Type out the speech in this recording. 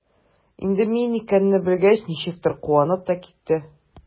Инде мин икәнне белгәч, ничектер куанып та китте.